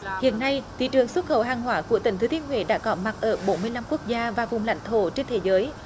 hiện nay thị trường xuất khẩu hàng hóa của tỉnh thừa thiên huế đã có mặt ở bốn mươi năm quốc gia và vùng lãnh thổ trên thế giới